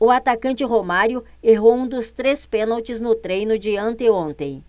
o atacante romário errou um dos três pênaltis no treino de anteontem